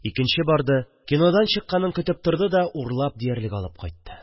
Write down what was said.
Икенче барды – кинодан чыкканын көтеп торды да, урлап диярлек алып кайтты